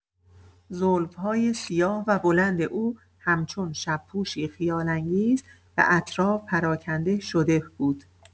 زلف‌های سیاه و بلند او همچون شب‌پوشی خیال‌انگیز به اطراف پراکنده شده بود.